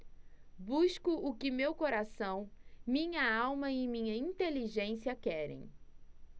busco o que meu coração minha alma e minha inteligência querem